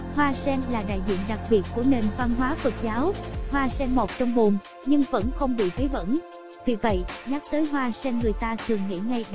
hoa sen là đại diện đặc biệt của nền văn hóa phật giáo hoa sen mọc trong bùn nhưng vẫn không bị vấy bẩn vì vậy nhắc tới hoa sen người ta thường nghĩ ngay đến